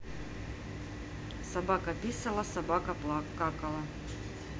собака писала собака какала